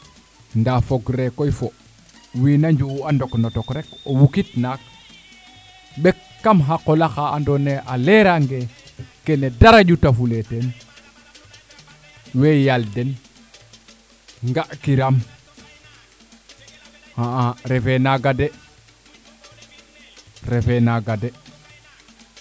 wiina nju'u a ndok na tok rek o wikit naak ɓek kam xa qola xa ando naye a lera nge kene dara ƴuta fule teen we yaal den nga kiram xa'a refe naaga de refe naaga de